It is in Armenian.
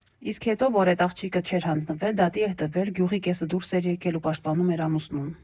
Իսկ հետո որ էդ աղջիկը չէր հանձնվել, դատի էր տվել, գյուղի կեսը դուրս էր եկել ու պաշտպանում էր ամուսնուն։